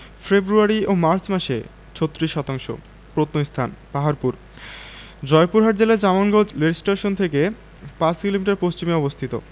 ফেব্রুয়ারি ও মার্চ মাসে ৩৬ শতাংশ প্রত্নস্থানঃ পাহাড়পুর জয়পুরহাট জেলার জামালগঞ্জ লেরস্টেশন থেকে ৫ কিলোমিটার পশ্চিমে অবস্থিত